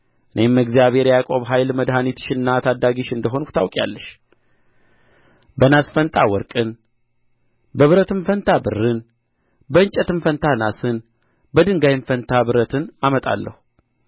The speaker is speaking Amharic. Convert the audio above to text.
እኔም እግዚአብሔር የያዕቆብ ኃይል መድኃኒትሽና ታዳጊሽ እንደ ሆንሁ ታውቂያለሽ በናስ ፋንታ ወርቅን በብረትም ፋንታ ብርን በእንጨትም ፋንታ ናስን በድንጋይም ፋንታ ብረትን አመጣለሁ